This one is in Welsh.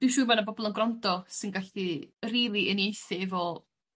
Dwi'n siŵr ma' 'na bobol yn grando sy'n gallu rili uniaethu efo